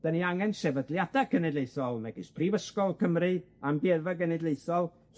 'Dan ni angen sefydliada cenedlaethol, megis Prifysgol Cymru, Amgueddfa Genedlaethol,